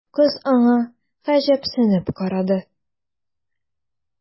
Кыз аңа гаҗәпсенеп карады.